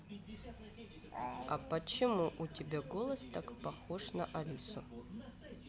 а почему у тебя голос так похож на алису